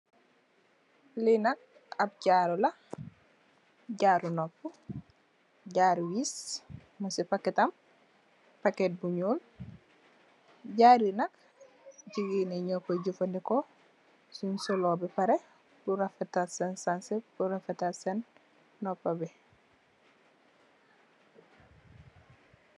Lii nak ahb jaaru la, jaaru nopu, jaaru wiss, mung cii packetam, packet bu njull, jaaru yii nak gigain njee njur koi jeufandehkor, sungh soloh beh pareh pur rafetal sehn sanseh, pur rafetal sehn nopu bii.